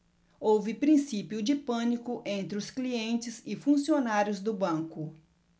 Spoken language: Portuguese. houve princípio de pânico entre os clientes e funcionários do banco